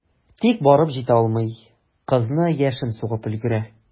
Тик барып җитә алмый, кызны яшен сугып өлгерә.